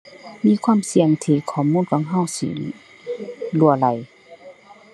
มีความเสี่ยงที่ข้อมูลของเราสิรั่วไหล